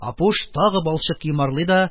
Апуш тагы балчык йомарлый да,